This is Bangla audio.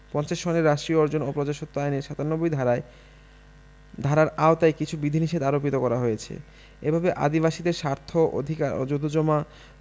৫০ সনের রাষ্ট্রীয় অর্জন ও প্রজাস্বত্ব আইনের ৯৭ ধারার আওতায় কিছু বিধিনিষেধ আরোপিত করা হয়েছে এভাবে আদিবাসীদের স্বার্থ অধিকার ও জোতজমা